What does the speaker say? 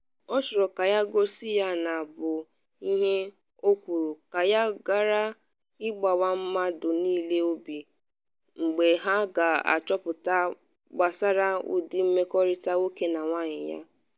Ọ chọro ka ya gosi na ya bụ “ihe”, o kwuru, ka ya ghara ịgbawa mmadụ niile obi mgbe ha ga-achọpụta gbasara ụdị mmekọrịta nwoke na nwanyị ya.